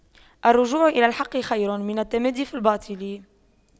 الرجوع إلى الحق خير من التمادي في الباطل